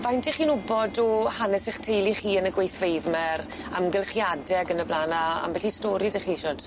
Faint 'ych chi'n wbod o hanes 'ych teulu chi yn y gweithfeydd my' a'r amgylchiade ag yn y bla'n a ambell i stori 'dych chi shwd?